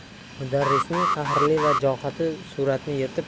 mudarrisning qahrli vajohati suratni yirtib